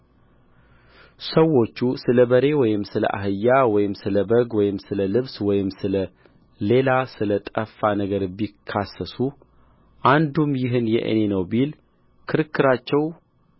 ሰዎች ስለ በሬ ወይም ስለ አህያ ወይም ስለ በግ ወይም ስለ ልብስ ወይም ስለ ሌላ ስለ ጠፋ ነገር ቢካሰሱ አንዱም ይህ የእኔ ነው ቢል ክርክራቸው